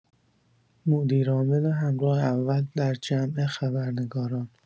مدیرعامل همراه اول در جمع خبرنگاران